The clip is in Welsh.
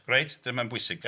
Reit, mae'n bwysig.